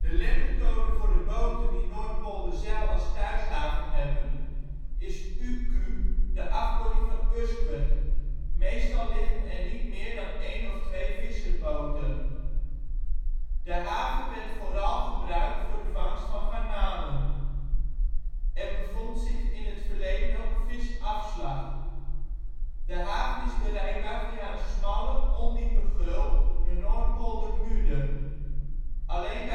lettercode voor de boten die Noordpolderzijl als thuishaven hebben is UQ, de afkorting van Usquert. Meestal liggen er niet meer dan een of twee visserboten. De haven werd vooral gebruikt voor de vangst van garnalen. Er bevond zich in het verleden ook een visafslag. De haven is bereikbaar via een smalle, ondiepe geul de Noordpoldermude. Alleen